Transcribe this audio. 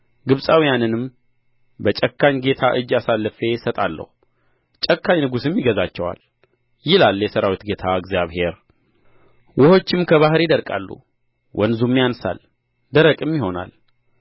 ግብጻውያንንም በጨካኝ ጌታ እጅ አሳልፌ እሰጣለሁ ጨካኝ ንጉሥም ይገዛቸዋል ይላል የሠራዊት ጌታ እግዚአብሔር ውኆችም ከባሕር ይደርቃሉ ወንዙም ያንሳል ደረቅም ይሆናል